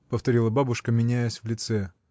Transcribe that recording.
— повторила бабушка, меняясь в лице.